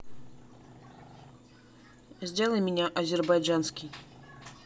сделай меня азербайджанский